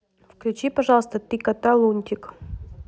включи пожалуйста три кота лунтик